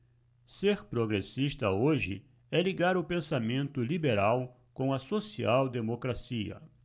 ser progressista hoje é ligar o pensamento liberal com a social democracia